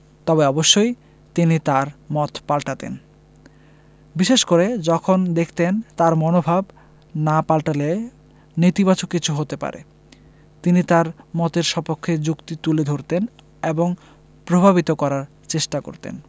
তবে অবশ্যই তিনি তাঁর মত পাল্টাতেন বিশেষ করে যখন দেখতেন তাঁর মনোভাব না পাল্টালে নেতিবাচক কিছু হতে পারে তিনি তাঁর মতের সপক্ষে যুক্তি তুলে ধরতেন এবং প্রভাবিত করার চেষ্টা করতেন